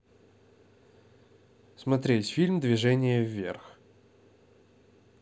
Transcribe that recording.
смотреть фильм движение вверх